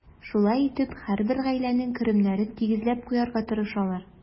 Шулай итеп, һәрбер гаиләнең керемнәрен тигезләп куярга тырышалар.